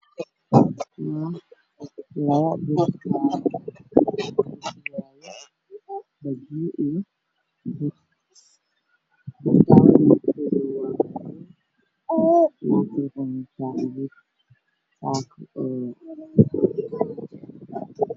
Waajiko waxaa ka shidan dab waxaa saaran dugsiyaal waxaa ku jiro saliid iyo bur oo lagu karanayo